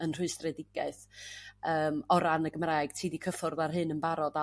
yn rhystredigaeth yym o ran y Gymraeg ti 'di cyffwrdd ar hyn yn barod